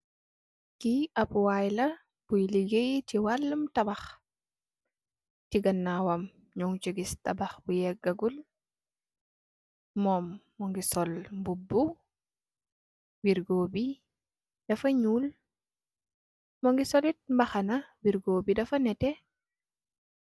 Kii ab waay la, buy ligeey ci waalum tabax. Ci ganaawam, ñung ci gis tabax bu yégagut. Mom, mu ngi sol mbubu. Wirgoo bi, dafa ñuul. Mu ngi sol mbaxana, wirgo bi dafa nétte.